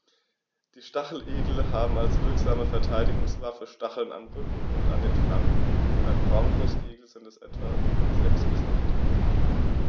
Die Stacheligel haben als wirksame Verteidigungswaffe Stacheln am Rücken und an den Flanken (beim Braunbrustigel sind es etwa sechs- bis achttausend).